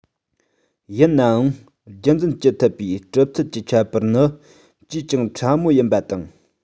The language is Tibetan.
ཡིན ནའང རྒྱུད འཛིན བགྱི ཐུབ པའི གྲུབ ཚུལ གྱི ཁྱད པར ནི ཅིས ཀྱང ཕྲ མོ ཡིན པ དང